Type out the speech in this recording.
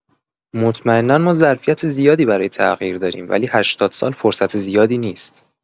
مطمئنا ما ظرفیت زیادی برای تغییر داریم ولی هشتاد سال فرصت زیادی نیست.